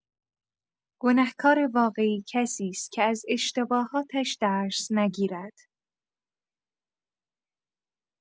گنه‌کار واقعی کسی است که از اشتباهاتش درس نگیرد.